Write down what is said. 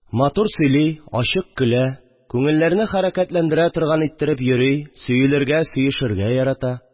Матур сөйли, ачык көлә, күңелләрне хәрәкәтләндерә торган иттереп йөри, сөелергә, сөешергә ярата